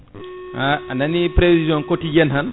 a anani prévision quotidienne tan